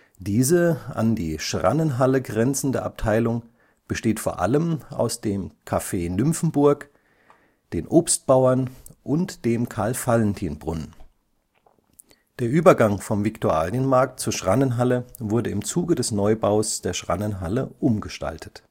Diese an die Schrannenhalle grenzende Abteilung besteht vor allem aus dem „ Café Nymphenburg “, den Obstbauern und dem Karl-Valentin-Brunnen. Der Übergang vom Viktualienmarkt zur Schrannenhalle wurde im Zuge des Neubaus der Schrannenhalle umgestaltet